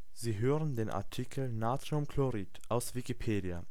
Sie hören den Artikel Natriumchlorid, aus Wikipedia